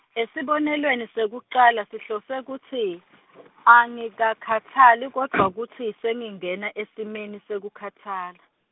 Esibonelweni sekucala sihlose kutsi, angikakhatsali kodvwa kutsi sengingena esimeni sekukhatsala.